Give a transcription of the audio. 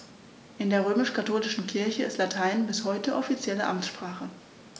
In der römisch-katholischen Kirche ist Latein bis heute offizielle Amtssprache.